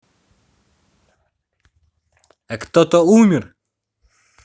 а кто то умер